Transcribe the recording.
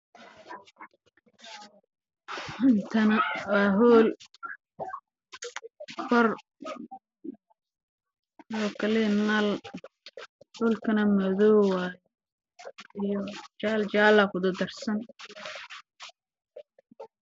Halkaan waa hool madow iyo jaalo iskugu jiro